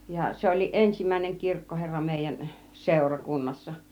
ja se olikin ensimmäinen kirkkoherra meidän - seurakunnassa